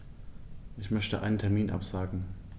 Ich möchte einen Termin absagen.